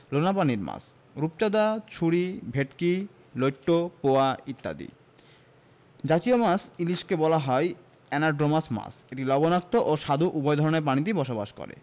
লোনাপানির মাছ রূপচাঁদা ছুরি ভেটকি লইট্ট পোয়া ইত্যাদি জতীয় মাছ ইলিশকে বলা হয় অ্যানাড্রোমাস মাছ এটি লবণাক্ত ও স্বাদু উভয় ধরনের পানিতেই বসবাস করে